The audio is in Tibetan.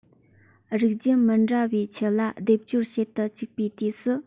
རིགས རྒྱུད མི འདྲ བའི ཁྱི ལ སྡེབ སྦྱོར བྱེད དུ བཅུག པའི དུས སུ